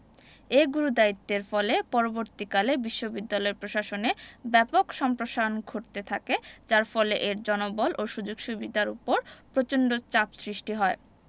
এ গুরুদায়িত্বের ফলে পরবর্তীকালে বিশ্ববিদ্যালয় প্রশাসনে ব্যাপক সম্প্রসারণ ঘটতে থাকে যার ফলে এর জনবল ও সুযোগ সুবিদার ওপর প্রচন্ড চাপ সৃষ্টি হয়